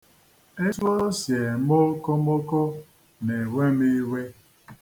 Etu o si eme okomoko na-ewe m iwe.